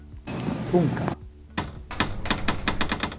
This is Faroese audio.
tunga